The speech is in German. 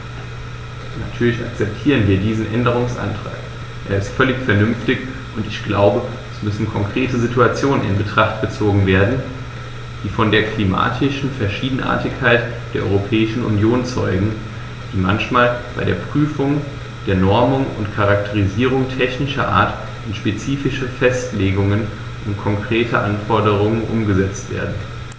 Natürlich akzeptieren wir diesen Änderungsantrag, er ist völlig vernünftig, und ich glaube, es müssen konkrete Situationen in Betracht gezogen werden, die von der klimatischen Verschiedenartigkeit der Europäischen Union zeugen, die manchmal bei der Prüfung der Normungen und Charakterisierungen technischer Art in spezifische Festlegungen und konkrete Anforderungen umgesetzt werden.